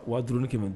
Wa durunniki ma